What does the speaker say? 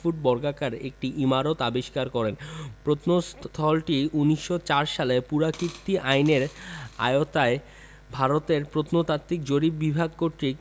foot বর্গাকার একটি ইমারত আবিষ্কার করেন প্রত্নস্থলটি ১৯০৪ সালের পুরাকীর্তি আইনের আওতায় ভারতের প্রত্নতাত্ত্বিক জরিপ বিভাগ কর্তৃক